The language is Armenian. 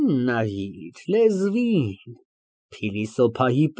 Բայց, ինչ արած, չեմ կարող։ (Հառաչելով, արմունկները հենում է դաշնամուրին)։ ԲԱԳՐԱՏ ֊ (Հեգնաբար)։